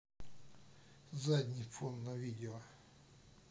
задний фон на видео